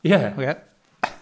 Ie... Ocê.